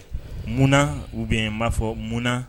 Munna u bɛ yen'a fɔ munan